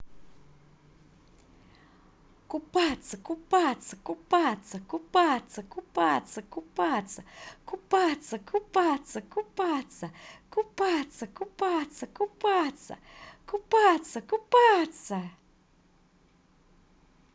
купаться купаться купаться купаться купаться купаться купаться купаться купаться купаться купаться купаться купаться купаться